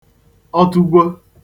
ọtụgwo